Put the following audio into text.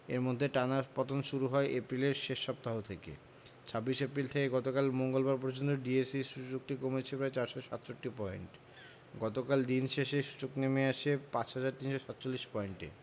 এর মধ্যে টানা পতন শুরু হয় এপ্রিলের শেষ সপ্তাহ থেকে ২৬ এপ্রিল থেকে গতকাল মঙ্গলবার পর্যন্ত ডিএসইএক্স সূচকটি কমেছে প্রায় ৪৬৭ পয়েন্ট ফলে গতকাল দিন শেষে সূচক নেমে আসে ৫ হাজার ৩৪৭ পয়েন্টে